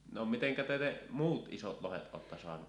no miten te ne muut isot lohet olette saanut